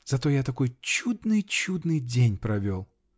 Зато я такой чудный, чудный день провел!